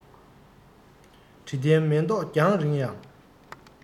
དྲི ལྡན མེ ཏོག རྒྱང རིང ཡང